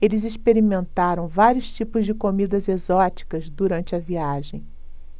eles experimentaram vários tipos de comidas exóticas durante a viagem